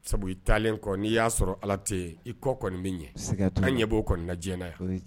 Sabu i taalen kɔ n'i y'a sɔrɔa Allah tɛ yen, i kɔ kɔni bɛ ɲɛn. Sira t'a la. Anw b'o kɔni don diɲɛna yan.